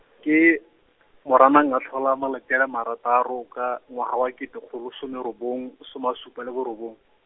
ke, Moranang a tlhola malatsi a le marataro ka ngwaga wa kete kgolo somerobong, soma a supa le borobong.